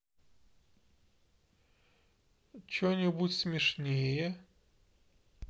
че нибудь смешное